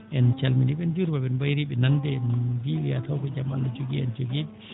en calminii ɓe en njuriima ɓe en mbayrii ɓe nande en mbiyii ɓe yaa taw ko jaam Allah jogii en jogii ɓe